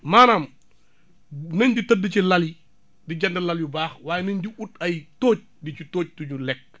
maanaam nañ di tëdd ci lal yi di jënd lal yu baax waaye nañ di ut ay tóoj di ci tóoj suñu lekk